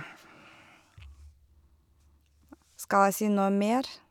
Skal jeg si noe mer?